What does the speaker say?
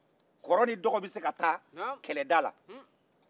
kɔrɔ ni dɔgɔ bɛ se ka taa kɛlɛda la